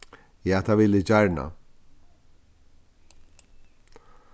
ja tað vil eg gjarna